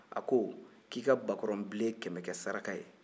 a ko k'i ka bakɔrɔn bilen kɛmɛ kɛ saraka ye